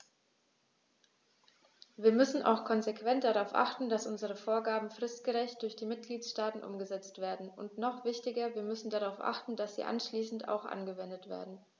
Wir müssen auch konsequent darauf achten, dass unsere Vorgaben fristgerecht durch die Mitgliedstaaten umgesetzt werden, und noch wichtiger, wir müssen darauf achten, dass sie anschließend auch angewendet werden.